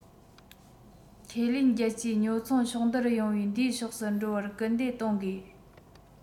ཁས ལེན རྒྱལ སྤྱིའི ཉོ ཚོང ཕྱོགས འདིར ཡོང བའི འདིའི ཕྱོགས སུ འགྲོ བར སྐུལ འདེད གཏོང དགོས